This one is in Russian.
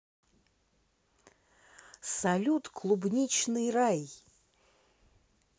салют клубничный рай